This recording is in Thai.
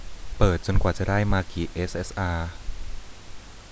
เปิดจนกว่าจะได้มากิเอสเอสอา